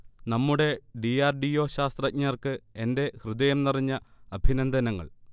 നമ്മുടെ D. R. D. O. ശാസ്ത്രജ്ഞർക്ക് എന്റെ ഹൃദയം നിറഞ്ഞ അഭിനന്ദങ്ങൾ